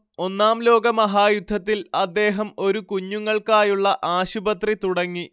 ഒന്നാം ലോകമഹായുദ്ധത്തിൽ അദ്ദേഹം ഒരു കുഞ്ഞുങ്ങൾക്കാായുള്ള ആശുപത്രി തുടങ്ങി